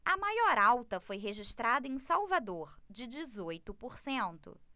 a maior alta foi registrada em salvador de dezoito por cento